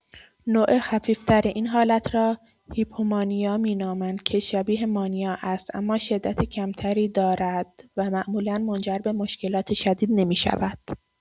نوع خفیف‌تر این حالت را هیپومانیا می‌نامند که شبیه مانیا است اما شدت کم‌تری دارد و معمولا منجر به مشکلات شدید نمی‌شود.